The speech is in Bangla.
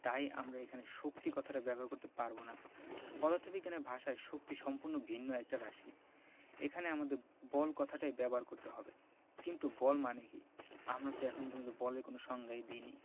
তাই আমরা এখানে শক্তি কথাটা ব্যবহার করতে পারব না পদার্থবিজ্ঞানের ভাষায় শক্তি সম্পূর্ণ ভিন্ন একটা রাশি এখানে আমাদের বল কথাটাই ব্যবহার করতে হবে কিন্তু বল মানে কী আমরা তো এখন পর্যন্ত বলের কোনো সংজ্ঞাই দিইনি